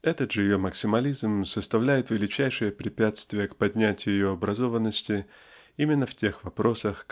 Этот же ее максимализм составляет величайшее препятствие к поднятию ее образованности именно в тех вопросах